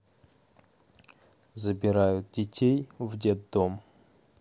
забирают детей в дет дом